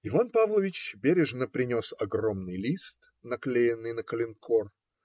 Иван Павлыч бережно принес огромный лист, наклеенный на коленкор.